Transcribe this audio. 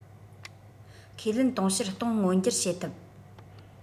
ཁས ལེན དུང ཕྱུར ༡༠༠༠ མངོན འགྱུར བྱེད ཐུབ